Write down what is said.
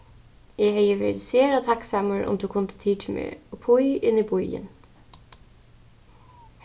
eg hevði verið sera takksamur um tú kundi tikið meg uppí inn í býin